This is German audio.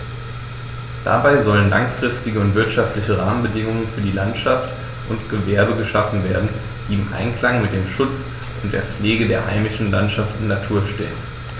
Dabei sollen langfristige und wirtschaftliche Rahmenbedingungen für Landwirtschaft und Gewerbe geschaffen werden, die im Einklang mit dem Schutz und der Pflege der heimischen Landschaft und Natur stehen.